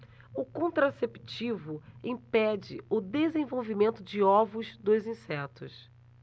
o contraceptivo impede o desenvolvimento de ovos dos insetos